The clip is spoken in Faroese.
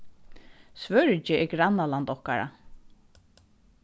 svøríki er grannaland okkara